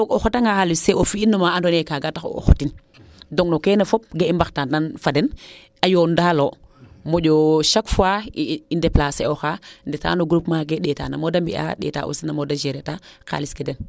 to o xota nga xalis fee fi'in ma ando naye kaaga taxu o xotin donc no keene fop kaa i mbaxtaan tan fo ten a yoon daal o moƴo chaque fois i deplacer ooxa ndeta no groupement ndeeta namo de mbiya ndeta aussi namo de géré taa xalis ke den